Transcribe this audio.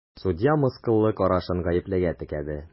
Судья мыскыллы карашын гаеплегә текәде.